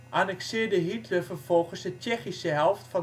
annexeerde Hitler vervolgens de Tsjechische helft